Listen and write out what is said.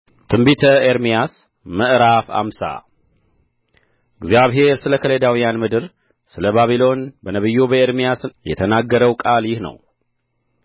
ትንቢተ ኤርምያስ ምዕራፍ ሃምሳ እግዚአብሔር ስለ ከለዳውያን ምድር ስለ ባቢሎን በነቢዩ በኤርምያስ የተናገረው ቃል ይህ ነው